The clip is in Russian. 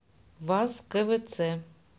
ваз квц